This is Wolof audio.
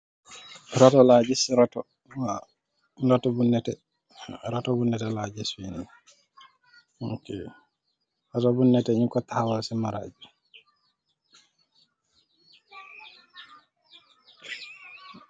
Rató la gis, rató bu neteh, ñiñ ko taxaw ci Maraj bi.